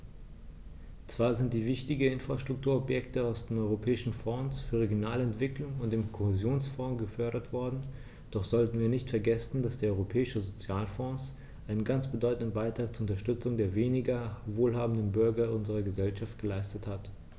Zwar sind wichtige Infrastrukturprojekte aus dem Europäischen Fonds für regionale Entwicklung und dem Kohäsionsfonds gefördert worden, doch sollten wir nicht vergessen, dass der Europäische Sozialfonds einen ganz bedeutenden Beitrag zur Unterstützung der weniger wohlhabenden Bürger unserer Gesellschaft geleistet hat.